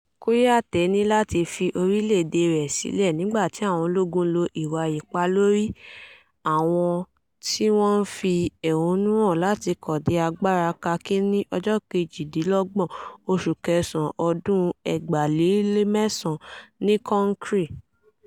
Kouyate ní láti fi orílẹ̀-èdè rẹ̀ sílẹ̀ nígbàtí àwọn ológun lo ìwà - ipá lórí àwọn tí wọ́n ń fi ẹ̀hónú hàn láti kọdí agbára Kaki ní 28 Oṣù Kẹ̀sán ọdún 2009 ní Conakry.